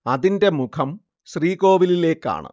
അതിന്റെ മുഖം ശ്രീകോവിലിലേക്കാണ്